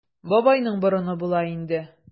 Бабайның борыны була инде.